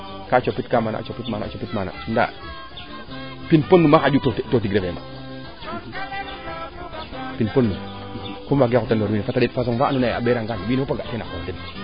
ka copit ka maana a copit maana a copit maana pin podnum a xanju to tig refee ma pin pod num comme waage xota ndoor wiin we fata ndeet facon fa ando naye a xota ngaan wiin we fop a nga teen a qoox den